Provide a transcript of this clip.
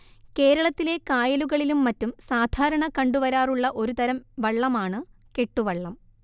കേരളത്തിലെ കായലുകളിലും മറ്റും സാധാരണ കണ്ടുവരാറുള്ള ഒരു തരം വള്ളമാണ് കെട്ടുവള്ളം